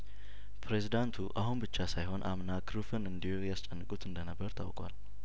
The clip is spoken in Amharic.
ፕሬዚዳንቱ አሁን ብቻ ሳይሆን አምና ክሩፍን እንዲሁ ያስጨንቁት እንደነበር ታውቋል